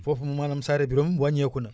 foofu moom maanaam Saare Birame wàññeeku na